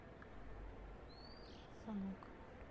санука